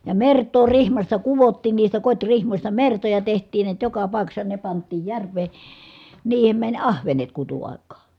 ja mertaa rihmasta kudottiin niistä kotirihmoista mertoja tehtiin näet joka paikassa ne pantiin järveen niihin meni ahvenet kutuaikaan